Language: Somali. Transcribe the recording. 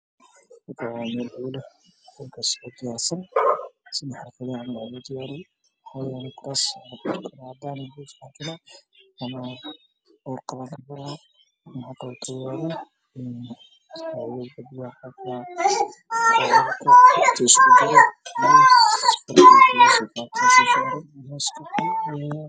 Meeshaan oo meel loola u hayaa kuraas cadcad iyo mis miiska waa buluug